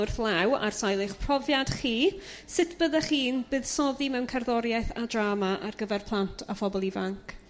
wrth law ar sail eich profiad chi sut byddech chi'n buddsoddi mewn cerddoriaeth a drama ar gyfer plant a phobol ifanc?